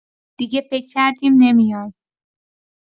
دیگه فکر کردیم نمیای.